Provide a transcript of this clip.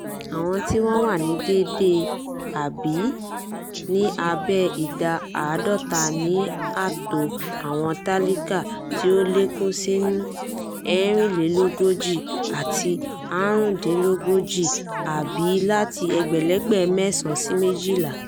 àwọn tí wọ́n wà ní dèèdé àbí ní abẹ́ ìdá 50% ní ààtò àwọn tálákà, tí ó lékún sí 44% láti 35 (àbí, láti ẹgbẹ̀lẹ́gbẹ̀ 9 sí 12).